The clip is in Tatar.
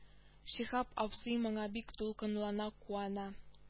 Шиһап абзый моңа бик дулкынлана куана